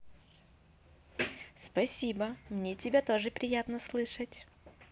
спасибо мне тебя тоже приятно слышать